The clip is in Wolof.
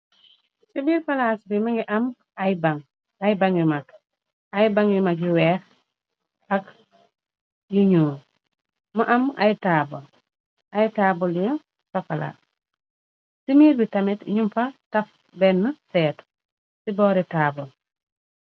Ci i biir palas mugii am ay bang ay bang yu mag yu wèèx ak yu ñuul mu am ay tabal ay tabal yu sokala ci biir bi tamit ñum fa taf benna séétu ci bóri tabal.